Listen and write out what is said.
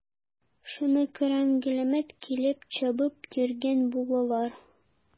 Шуны кыран-галәмәт килеп чабып йөргән булалар.